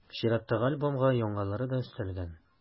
Чираттагы альбомга яңалары да өстәлгән.